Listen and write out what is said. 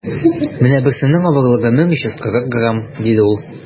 - менә берсенең авырлыгы 1340 грамм, - диде ул.